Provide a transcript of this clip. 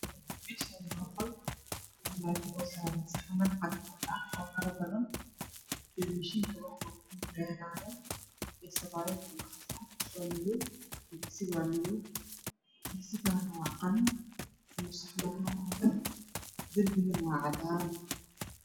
Meeshaani waa qol armaajo oo saaran saxaman cadaan ah oo faro badan iyo mashiinka wax lagu kululeyo iyo sabaayad waxa saaran madow digsiga waa madow digsi kale waa qalin iyo saxamaan cadcadaan ah darbigana waa cadaan